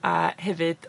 a hefyd